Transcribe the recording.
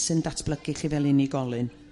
sy'n datblygu chi fel unigolyn.